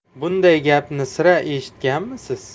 bunday gapni sira eshitganmisiz